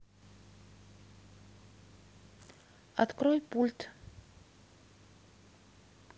открой пульт